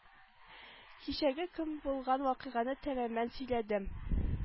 Кичәге көн булган вакыйганы тәмамән сөйләдем